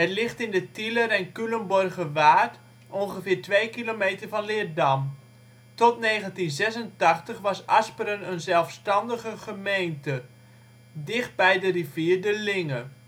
ligt in de Tieler - en Culemborgerwaard, ongeveer twee kilometer van Leerdam. Tot 1986 was Asperen een zelfstandige gemeente, dichtbij de rivier de Linge